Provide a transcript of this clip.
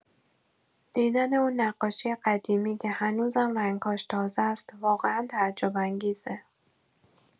دیدن اون نقاشی قدیمی که هنوزم رنگ‌هاش تازه‌ست، واقعا تعجب‌انگیزه.